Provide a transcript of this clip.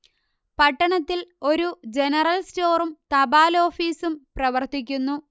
പട്ടണത്തിൽ ഒരു ജനറൽ സ്റ്റോറും തപാലോഫീസും പ്രവർത്തിക്കുന്നു